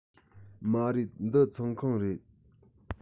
མ རེད འདི ཚོང ཁང རེད